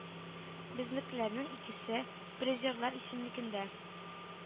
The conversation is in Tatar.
Безнекеләрнең икесе – призерлар исемлегендә.